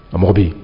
A mɔ bɛ yen